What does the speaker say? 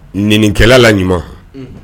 la ɲuman .